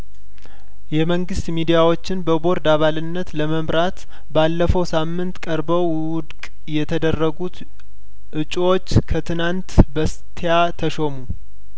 የመንግስት ሚዲያዎችን በቦርድ አባልነት ለመምራት ባለፈው ሳምንት ቀርበው ውድቅ የተደረጉት እጩዎች ከትናንት በስቲያ ተሾሙ